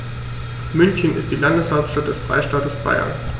München ist die Landeshauptstadt des Freistaates Bayern.